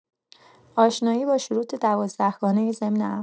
آشنایی با شروط ۱۲ گانه ضمن عقد